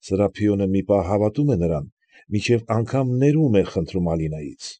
Սրափիոնը մի պահ հավատում է նրան, մինչև անգամ ներումն է խնդրում Ալինայից։